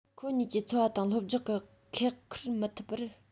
ཁོ གཉིས ཀྱི འཚོ བ དང སློབ སྦྱོང གི ཁེག ཁུར མི ཐུབ པར